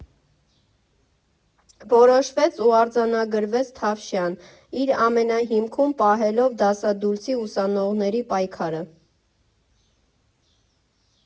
Որոշվեց ու արձանագրվեց Թավշյան՝ իր ամենահիմքում պահելով դասադուլցի ուսանողների պայքարը։